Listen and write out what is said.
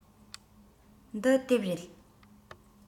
འདི དེབ རེད